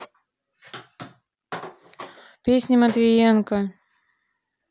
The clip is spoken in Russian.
песни матвиенко